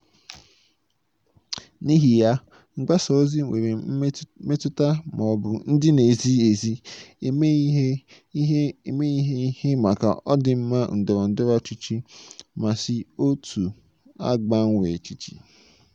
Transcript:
N'ihi ya, mgbasa ozi nwere metụta ma ọ bụ ndị na-ezighi ezi eme ihe ihe maka ọdịmma ndọrọ ndọrọ ọchịchị ma si otú a gbanwee echiche.